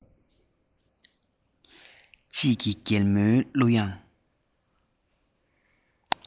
དཔྱིད ཀྱི རྒྱལ མོའི གླུ དབྱངས